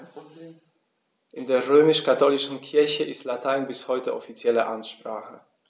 In der römisch-katholischen Kirche ist Latein bis heute offizielle Amtssprache.